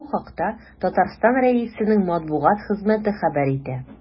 Бу хакта Татарстан Рәисенең матбугат хезмәте хәбәр итә.